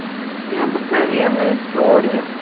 необыкновенная история